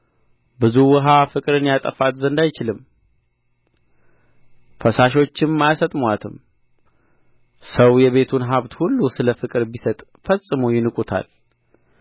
ብዙ ውኃ ፍቅርን ያጠፋት ዘንድ አይችልም ፈሳሾችም አያሰጥሙአትም ሰው የቤቱን ሀብት ሁሉ ስለ ፍቅር ቢሰጥ ፈጽሞ ይንቁታል